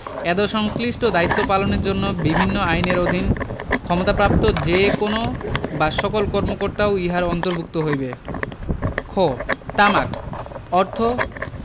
এতদ্ সংশ্লিষ্ট দায়িত্ব পালনের জন্য বিভিন্ন আইনের অধীন ক্ষমতাপ্রাপ্ত যে কোন বা সকল কর্মকর্তাও ইহার অন্তর্ভুক্ত হইবে খ তামাক অর্থ